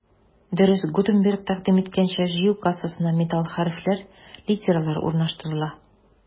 Дөрес, Гутенберг тәкъдим иткәнчә, җыю кассасына металл хәрефләр — литералар урнаштырыла.